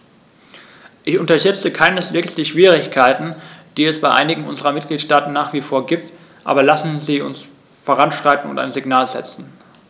Ich unterschätze keineswegs die Schwierigkeiten, die es bei einigen unserer Mitgliedstaaten nach wie vor gibt, aber lassen Sie uns voranschreiten und ein Signal setzen.